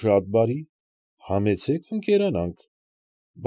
Շատ բարի, համեցեք ընկերանանք։